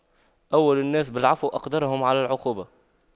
أولى الناس بالعفو أقدرهم على العقوبة